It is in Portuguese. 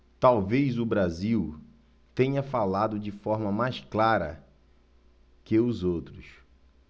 talvez o brasil tenha falado de forma mais clara que os outros